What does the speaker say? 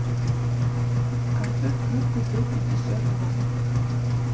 концерт группы б пятьдесят два